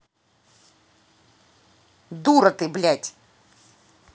дура ты блядь